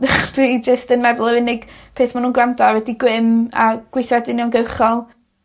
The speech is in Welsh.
dwi jyst yn meddwl yr unig peth ma' nw'n gwrando ar ydi grym a gweithred uniongyrchol.